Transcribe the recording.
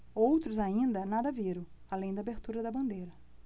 outros ainda nada viram além da abertura da bandeira